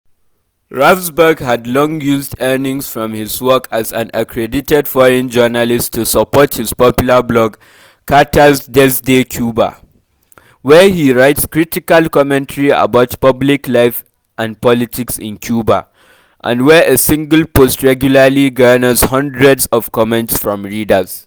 Ravsberg had long used earnings from his work as an accredited foreign journalist to support his popular blog “Cartas desde Cuba” (Letters from Cuba), where he writes critical commentary about public life and politics in Cuba, and where a single post regularly garners hundreds of comments from readers.